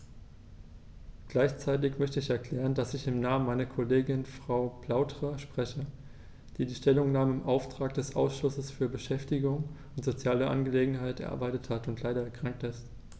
Gleichzeitig möchte ich erklären, dass ich im Namen meiner Kollegin Frau Flautre spreche, die die Stellungnahme im Auftrag des Ausschusses für Beschäftigung und soziale Angelegenheiten erarbeitet hat und leider erkrankt ist.